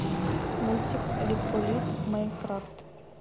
мультик риколит майнкрафт